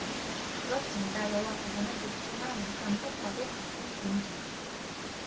그렇습니다 여호와께서는 육중한 반석과도 같은 분이십니다